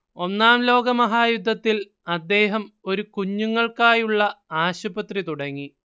ഒന്നാം ലോകമഹായുദ്ധത്തിൽ അദ്ദേഹം ഒരു കുഞ്ഞുങ്ങൾക്കായുള്ള ആശുപത്രി തുടങ്ങി